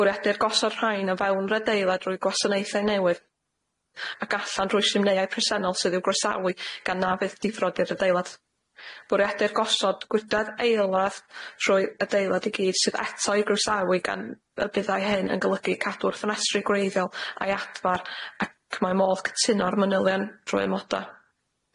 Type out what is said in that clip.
Bwriadir gosod rhain o fewn'r adeilad drwy gwasanaethau newydd ac allan drwy simdeiau presennol sydd i'w groesawu gan na fydd difrod i'r adeilad. Bwriadu'r gosod gwydradd aeladd trwy adeilad i gyd sydd eto i groesawu gan y byddai hyn yn golygu cadw'r ffenestri gwreiddiol a'i adfar ac mae modd cytuno a'r manylion trwy amoda.